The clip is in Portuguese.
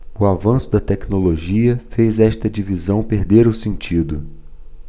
o avanço da tecnologia fez esta divisão perder o sentido